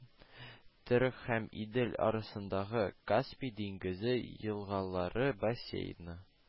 Терек һәм Идел арасындагы Каспий диңгезе елгалары бассейны